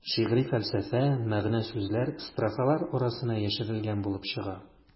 Шигъри фәлсәфә, мәгънә-сүзләр строфалар арасына яшерелгән булып чыга.